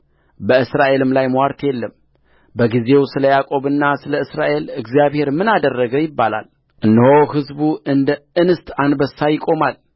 በእስራኤልም ላይ ምዋርት የለምበጊዜው ስለ ያዕቆብና ስለ እስራኤልእግዚአብሔር ምን አደረገ ይባላልእነሆ ሕዝቡ እንደ እንስት አንበሳ ይቆማል